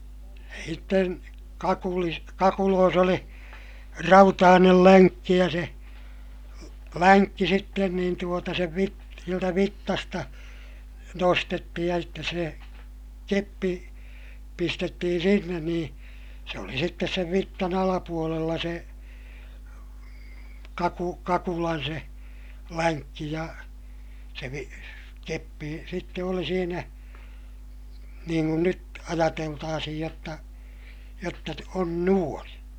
ja sitten kakulissa kakuloissa oli rautainen lenkki ja se lenkki sitten niin tuota sen - sieltä vitsasta nostettiin ja sitten se keppi pistettiin sinne niin se oli sitten sen vitsan alapuolella se - kakulan se lenkki ja se - keppi sitten oli siinä niin kuin nyt ajateltaisiin jotta jotta on noin